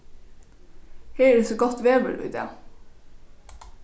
her er so gott veður í dag